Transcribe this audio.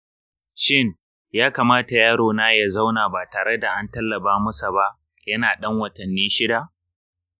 shin ya kamata yarona ya zauna ba tare da an tallaba masa ba yana ɗan watanni shida?